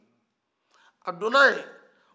a donna ye